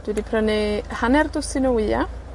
Dwi 'di prynu hanner dwsin o wya.